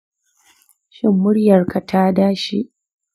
shin muryarka ta dashe?